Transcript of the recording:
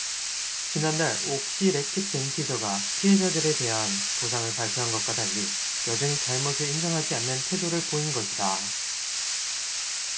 지난달 옥시레킷벤키저가 피해자들에 대한 보상안을 발표한 것과는 달리 여전히 잘못을 인정하지 않는 태도를 보인 것이다